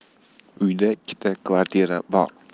uyda ikkita kvartira bor